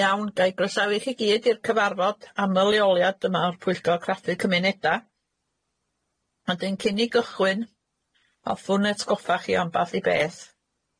Iawn, ga' i groesawu chi gyd i'r cyfarfod aml leoliad yma o'r Pwyllgor Craffu Cymuneda. Ond yn cyn i ni gychwyn, hoffwn eich atgoffa chi o amball i beth.